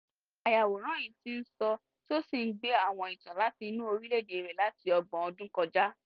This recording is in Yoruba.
Ayàwòrán yìí ti ń sọ tí ó sì ń gbé àwọn ìtàn láti inú orílẹ̀-èdè rẹ̀ láti ọdún 30 kọjá.